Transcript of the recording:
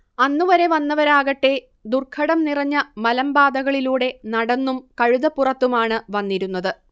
അന്നുവരെ വന്നവരാകട്ടേ ദുർഘടം നിറഞ്ഞ മലമ്പാതകളിലൂടെ നടന്നും കഴുതപ്പുറത്തുമാണ് വന്നിരുന്നത്